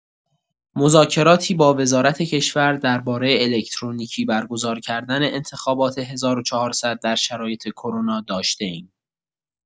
مذاکراتی با وزارت کشور درباره الکترونیکی برگزارکردن انتخابات ۱۴۰۰ در شرایط کرونا داشته‌ایم.